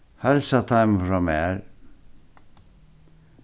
heilsa teimum frá mær